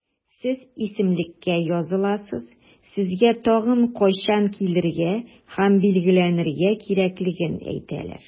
Сез исемлеккә языласыз, сезгә тагын кайчан килергә һәм билгеләнергә кирәклеген әйтәләр.